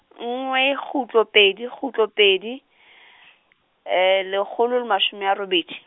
nngwe kgutlo pedi, kgutlo pedi , lekgolo le mashome a robedi.